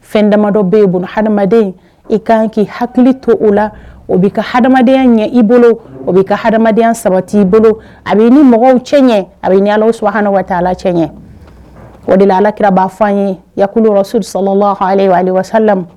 Fɛn damadɔ bɛ' bolo hadamaden i kan k'i hakili to o la o bɛ ka ha adamadenya ɲɛ i bolo o bɛ ka hadamadenya sabati i bolo a bɛ ni mɔgɔw cɛ ɲɛ a bɛ yaala su waati ala tiɲɛ ɲɛ o de alakirabaa fɔ an ye yakulu su sala walamu